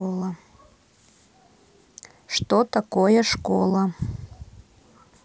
что такое школа